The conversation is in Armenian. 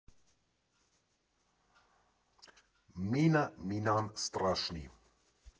Մինը մինան ստռաշնի։